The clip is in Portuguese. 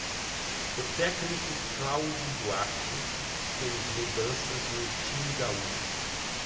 o técnico cláudio duarte fez mudanças no time gaúcho